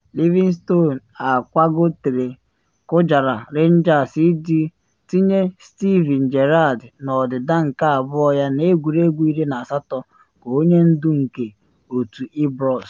Livingston akwagotere kụjara Rangers iji tinye Steven Gerrard na ọdịda nke abụọ ya n’egwuregwu 18 ka onye ndu nke otu Ibrox.